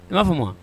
I b'a fɔ ma